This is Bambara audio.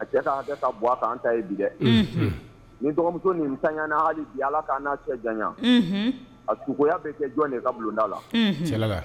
A cɛ' ka bɔ a kan an ta ye bi dɛ nin dɔgɔmuso nin taa hali bi ala' n'a cɛ janya a cogoya bɛ kɛ jɔn de ka bulonda la